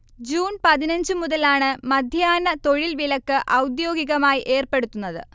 June പതിനഞ്ച് മുതലാണ് മധ്യാഹ്ന തൊഴിൽ വിലക്ക് ഔദ്യോഗികമായി ഏർപ്പെടുത്തുന്നത്